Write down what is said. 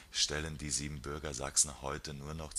stellen die Siebenbürger Sachsen heute nur noch